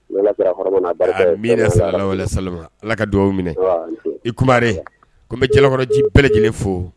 Mi ala sa ala ka dugaw minɛ i kumari n bɛ jalakɔrɔji bɛɛ lajɛlenele fo